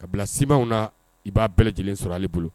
Ka bila simanw na i b'a bɛɛ lajɛlen sɔrɔ' bolo